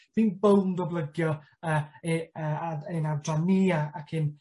...fi'n bownd o blygio yy e- yy a ein adran ni a ac ein